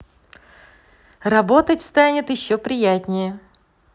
работать станет еще приятнее